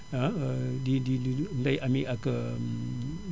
di di di Ndeye Amy ak